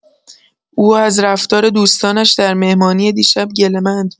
او از رفتار دوستانش در مهمانی دیشب گله‌مند بود.